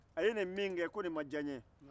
a ye nin min kɛ ko nin ma diya n ye